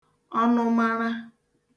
ọnụmara